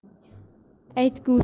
aytguvchi nodon bo'lsa